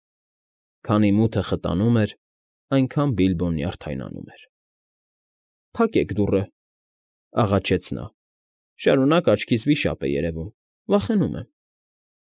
Քանի մութը խտանում էր, այնքան Բիլբոն նյարդայնանում էր։ ֊ Փակե՛ք դուռը,֊ աղաչեց նա։֊ Շարունակ աչքիս վիշապ է երևում, վախենում եմ։